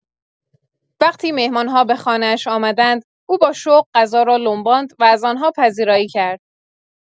وقتی مهمان‌ها به خانه‌اش آمدند، او با شوق غذا را لمباند و از آن‌ها پذیرایی کرد.